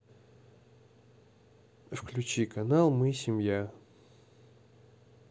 включи канал мы семья